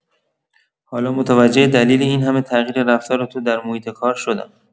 حالا متوجه دلیل این‌همه تغییر رفتار تو در محیط کار شدم.